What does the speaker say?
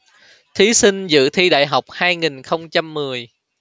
thí sinh dự thi đại học hai nghìn không trăm mười